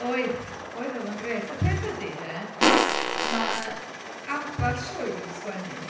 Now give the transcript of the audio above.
Oedd, oedd oedd o’n grêt. Y peth ydy de. Ma' ambell sioe dwi 'di sgwennu...